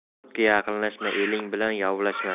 yotga yaqinlashma eling bilan yovlashma